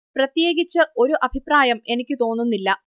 പ്രത്യേകിച്ച് ഒരു അഭിപ്രായം എനിക്ക് തോന്നുന്നില്ല